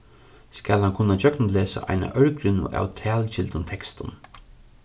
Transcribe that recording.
skal hann kunna gjøgnumlesa eina ørgrynnu av talgildum tekstum